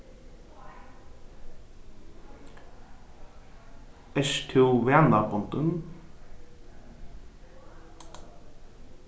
ert tú vanabundin